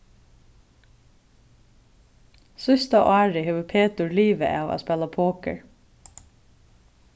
síðsta árið hevur petur livað av at spæla poker